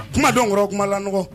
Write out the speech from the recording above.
Kumadenw kɔrɔ kuma la n nɔgɔ